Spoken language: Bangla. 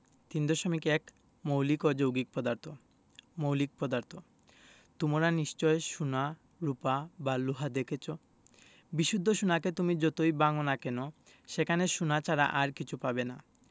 ৩.১ মৌলিক ও যৌগিক পদার্থঃ মৌলিক পদার্থ তোমরা নিশ্চয় সোনা রুপা বা লোহা দেখেছ বিশুদ্ধ সোনাকে তুমি যতই ভাঙ না কেন সেখানে সোনা ছাড়া আর কিছু পাবে না